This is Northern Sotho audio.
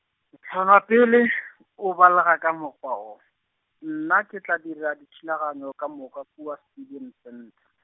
ntlha wa pele, o balega ka mokgwa wo, nna ke tla dira dithulaganyo ka moka kua Students Centre.